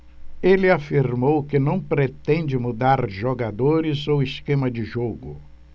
ele afirmou que não pretende mudar jogadores ou esquema de jogo